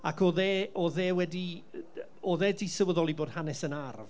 ac oedd e oedd wedi oedd e 'di sylweddoli bod hanes yn arf.